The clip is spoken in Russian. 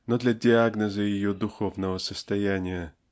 но для диагноза ее духовного состояния.